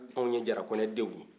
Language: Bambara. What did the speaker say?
anw ye jara-kɔnɛ denw ye